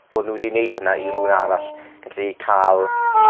Bo' n'w 'di neud hwnna i rywun arall gallu ca'l